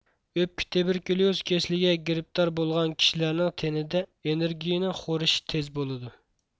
ئۆپكە تۇبېركۇليۇز كېسىلىگە گىرىپتار بولغان كىشىلەرنىڭ تېنىدە ئېنېرگىيىنىڭ خورىشى تېز بولىدۇ